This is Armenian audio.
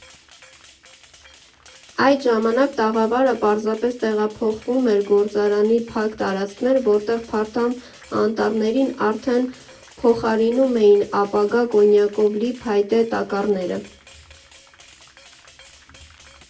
Այդ ժամանակ տաղավարը պարզապես տեղափոխվում էր գործարանի փակ տարածքներ, որտեղ փարթամ անտառներին արդեն փոխարինում էին ապագա կոնյակով լի փայտե տակառները։